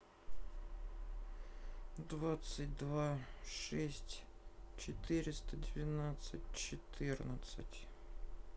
девять два шесть четыреста двенадцать четырнадцать